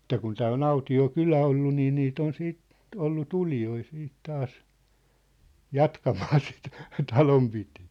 että kun tämä on autio kylä ollut niin niitä on sitten ollut tulijoita siitä taas jatkamaan sitten talonpitoa